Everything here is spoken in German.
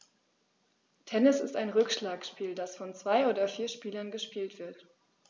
Tennis ist ein Rückschlagspiel, das von zwei oder vier Spielern gespielt wird.